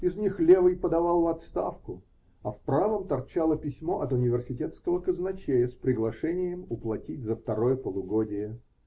из них левый подавал в отставку, а в правом торчало письмо от университетского казначея с приглашением уплатить за второе полугодие.